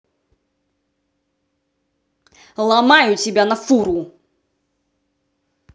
ломают тебя на фуру